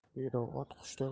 bedov ot qushday